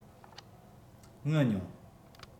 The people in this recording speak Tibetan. ངུ མྱོང